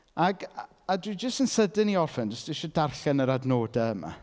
Ac a a dwi jyst yn sydyn i orffen jyst isie darllen yr adnodau yma.